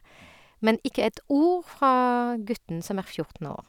Men ikke ett ord fra gutten som er fjorten år.